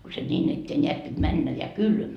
kun se niin eteen näet piti mennä ja kylmä